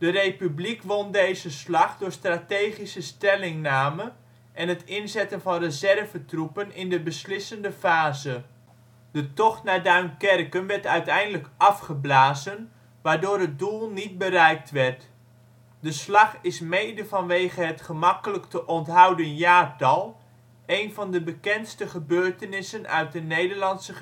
Republiek won deze slag door strategische stellingname en het inzetten van reservetroepen in de beslissende fase. De tocht naar Duinkerken werd uiteindelijk afgeblazen, waardoor het doel niet bereikt werd. De slag is mede vanwege het gemakkelijk te onthouden jaartal een van de bekendste gebeurtenissen uit de Nederlandse